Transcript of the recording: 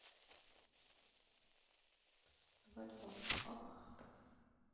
свадьба акхта